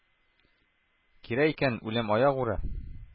Кирәк икән, үләм аягүрә,